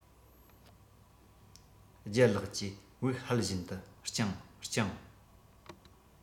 ལྗད ལགས ཀྱིས དབུགས ཧལ བཞིན དུ སྤྱང སྤྱང